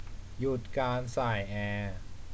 หยุดการส่ายแอร์